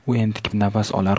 u entikib nafas olar